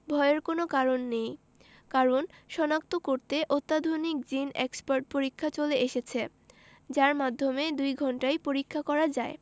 ভয়ের কোনো কারণ নেই কারণ শনাক্ত করতে অত্যাধুনিক জিন এক্সপার্ট পরীক্ষা চলে এসেছে যার মাধ্যমে দুই ঘণ্টায় পরীক্ষা করা যায়